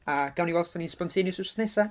A gawn ni weld os dan ni'n spontaneous wsos nesa.